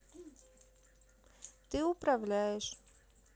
ты управляешь